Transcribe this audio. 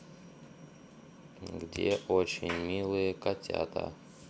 где очень милые котята